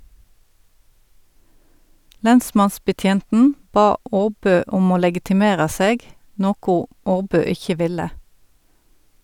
Lensmannsbetjenten bad Åbø om å legitimera seg, noko Åbø ikkje ville.